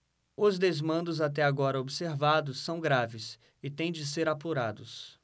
os desmandos até agora observados são graves e têm de ser apurados